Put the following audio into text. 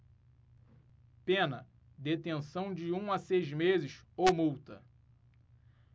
pena detenção de um a seis meses ou multa